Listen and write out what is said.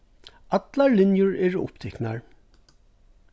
allar linjur eru upptiknar